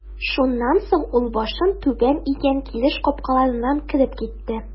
Шуннан соң ул башын түбән игән килеш капкаларыннан кереп китте.